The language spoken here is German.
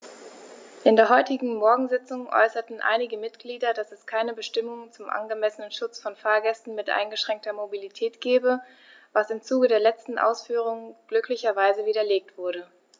In der heutigen Morgensitzung äußerten einige Mitglieder, dass es keine Bestimmung zum angemessenen Schutz von Fahrgästen mit eingeschränkter Mobilität gebe, was im Zuge der letzten Ausführungen glücklicherweise widerlegt wurde.